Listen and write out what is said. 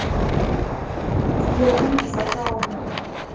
сбер выйди с аккаунта